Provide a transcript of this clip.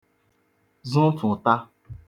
zụfụta